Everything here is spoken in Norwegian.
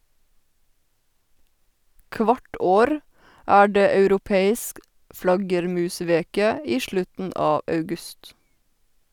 Kvart år er det europeisk flaggermusveke i slutten av august.